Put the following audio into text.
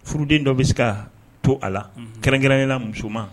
Furuden dɔ bɛ se ka to a la kɛrɛnkɛrɛnyla muso ma